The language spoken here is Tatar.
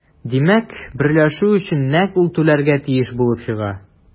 Димәк, берләшү өчен нәкъ ул түләргә тиеш булып чыга.